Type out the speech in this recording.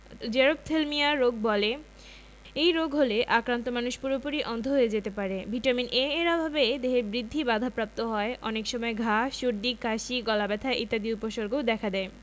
xerophthalmia রোগ বলে এই রোগ হলে আক্রান্ত মানুষ পুরোপুরি অন্ধ হয়ে যেতে পারে ভিটামিন A এর অভাবে দেহের বৃদ্ধি বাধাপ্রাপ্ত হয় অনেক সময় ঘা সর্দি কাশি গলাব্যথা ইত্যাদি উপসর্গও দেখা দেয়